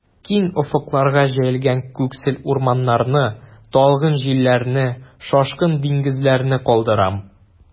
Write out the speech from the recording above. Киң офыкларга җәелгән күксел урманнарны, талгын җилләрне, шашкын диңгезләрне калдырам.